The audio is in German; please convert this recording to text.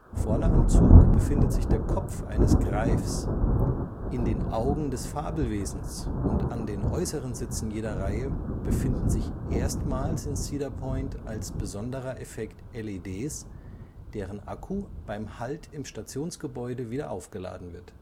Vorne am Zug befindet sich der Kopf eines Greifs. In den Augen des Fabelwesens und an den äußeren Sitzen jeder Reihe befinden sich erstmals in Cedar Point als besonderer Effekt LEDs, deren Akku beim Halt im Stationsgebäude wieder aufgeladen wird